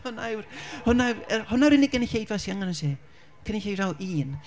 Hwnna, hwnna yw'r... hwnna yw- yw'r... Hwnna yw'r unig gynulleidfa sydd angen arno ti. Cynulleidfa o un.